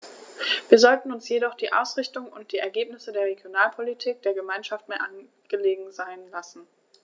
Wir sollten uns jedoch die Ausrichtung und die Ergebnisse der Regionalpolitik der Gemeinschaft mehr angelegen sein lassen.